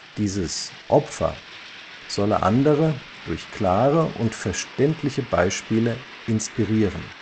Dieses „ Opfer “solle andere durch „ klare und verständliche Beispiele “„ inspirieren